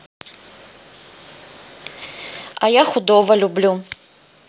а я худого люблю